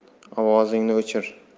ovozingni o'chir